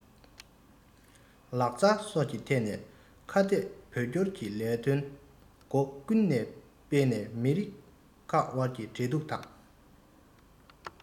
ལག རྩལ སོགས ཀྱི ཐད ནས ཁ གཏད བོད སྐྱོར གྱི ལས དོན སྒོ ཀུན ནས སྤེལ ནས མི རིགས ཁག དབར འབྲེལ གཏུག དང